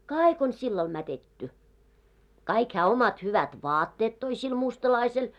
kaikki on sillä lailla mätetty kaikki hän omat hyvät vaatteet toi sille mustalaiselle